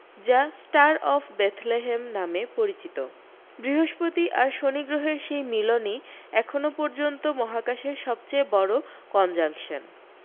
যা star of Bethlehem নামে পরিচিত বৃহস্পতি আর শনিগ্রহের সেই মিলনি এখনও পর্যন্ত মহাকাশের সব থেকে বড় কনজাঙ্কশন